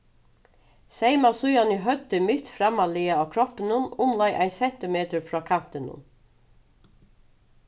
seyma síðan høvdið mitt frammarlaga á kroppinum umleið ein sentimetur frá kantinum